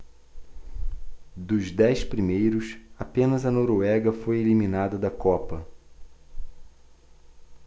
dos dez primeiros apenas a noruega foi eliminada da copa